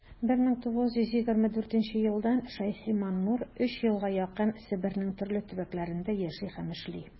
1924 елдан ш.маннур өч елга якын себернең төрле төбәкләрендә яши һәм эшли.